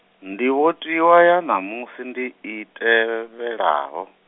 ndivhotiwa ya ṋamusi ndi i tevhelaho.